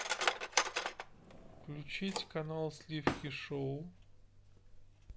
включить канал сливки шоу